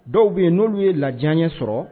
Dɔw bɛ ye n'olu ye lajanɲɛ sɔrɔ